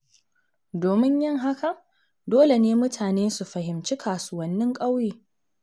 Domin yin hakan, dole ne mutane su fahimci kasuwannin ƙauye.